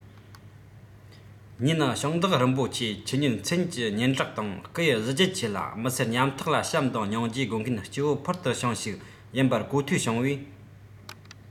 གཉིས ནི ཞིང བདག རིན པོ ཆེ ཁྱེད ཉིད མཚན གྱི སྙན གྲགས དང སྐུ ཡི གཟི བརྗིད ཆེ ལ མི སེར ཉམ ཐག ལ བྱམས དང སྙིང རྗེ དགོངས མཁན སྐྱེ བོ ཕུལ དུ བྱུང ཞིག ཡིན པར གོ ཐོས བྱུང བས